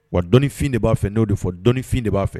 Wa dɔnifin de b'a fɛ n'o de fɔ dɔnifin de b'a fɛ